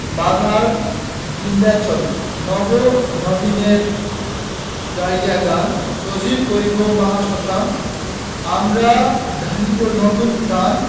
বাধার বিন্ধ্যাচল নব নবীনের গাহিয়া গান সজীব করিব মহাশ্মশান আমরা দানিব নতুন প্রাণ